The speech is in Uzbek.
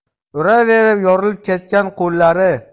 uraverib yorilib ketgan qo'llari